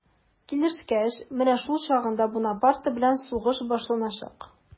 Килешкәч, менә шул чагында Бунапарте белән сугыш башланачак.